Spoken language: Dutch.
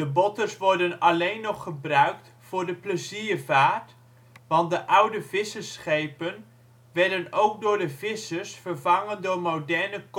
botters worden alleen nog gebruikt voor de pleziervaart, want de oude vissersschepen werden ook door de vissers vervangen door moderne kotters